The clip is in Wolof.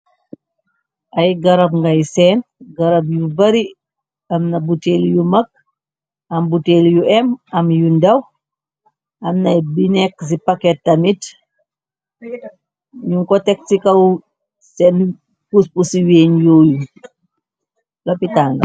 Ay garab ngay seen garab yu bari am na buteel yu mag am buteel yu em am yu ndew am nay bi nekk ci paket tamit ñu ko tek ci kaw seen kus bu ci weeñ yooyu lapitanga.